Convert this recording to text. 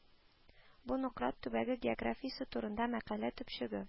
Бу Нократ төбәге географиясе турында мәкалә төпчеге